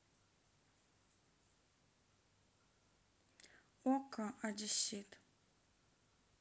okko одессит